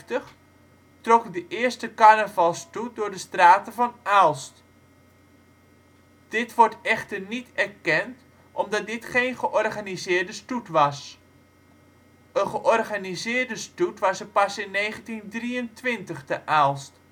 1851 trok de eerste carnavalsstoet door de straten van Aalst. Dit wordt echter niet erkend omdat dit geen georganiseerde stoet was. Een georganiseerde stoet was er pas in 1923 te Aalst